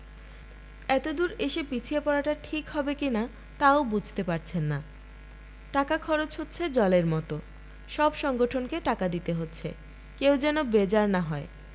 এতদূর এসে পিছিয়ে পড়াটা ঠিক হবে কি না তাও বুঝতে পারছেন না টাকা খরচ হচ্ছে জলের মত সব সংগঠনকে টাকা দিতে হচ্ছে কেউ যেন বেজার না হয়